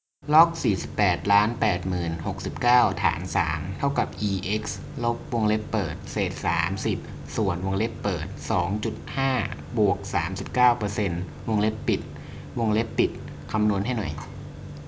ล็อกสี่สิบแปดล้านแปดหมื่นหกสิบเก้าฐานสามเท่ากับอีเอ็กซ์ลบวงเล็บเปิดเศษสามสิบส่วนวงเล็บเปิดสองจุดห้าบวกสามสิบเก้าเปอร์เซ็นต์วงเล็บปิดวงเล็บปิดคำนวณให้หน่อย